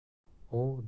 u doniyor bilan